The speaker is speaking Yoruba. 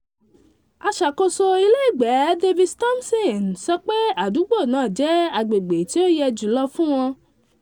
Àṣàkóso ilégbèé David Thompson sọ pé adúgbò náà jẹ́ agbègbèi tí ó yẹ jùlọ fún wọn.